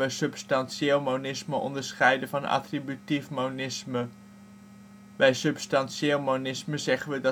substantieel monisme onderscheiden van attributief monisme. Bij substantieel monisme zeggen